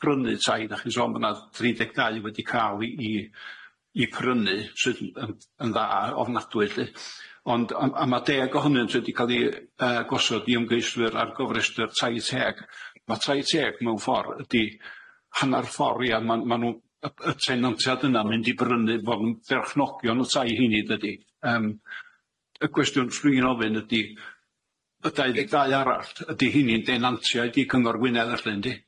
prynu tai dach chi'n sôn bo 'na dri deg dau wedi ca'l 'i 'i prynu sydd yn yn dda ofnadwy lly ond a- a ma' deg ohonynt wedi ca'l 'i yy gosod i ymgeiswyr ar gyfrestyr tai teg ma' tai teg mewn ffor ydi hannar ffor ia ma'n ma' nw yy y tenantiad yna mynd i brynu wel berchnogion y tai heiny dydi yym y cwestiwn 'swn i'n ofyn ydi y dau ddeg dau arall ydi hynny'n denantiaid i cyngor Gwynedd felly yndi?